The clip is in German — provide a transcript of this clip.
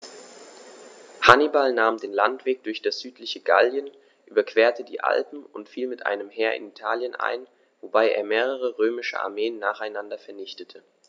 Hannibal nahm den Landweg durch das südliche Gallien, überquerte die Alpen und fiel mit einem Heer in Italien ein, wobei er mehrere römische Armeen nacheinander vernichtete.